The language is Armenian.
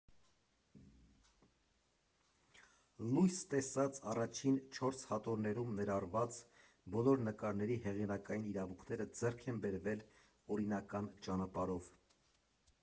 Լույս տեսած առաջին չորս հատորներում ներառված բոլոր նկարների հեղինակային իրավունքները ձեռք են բերվել օրինական ճանապարհով։